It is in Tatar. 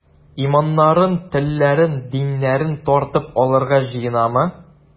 Иманнарын, телләрен, диннәрен тартып алырга җыенамы?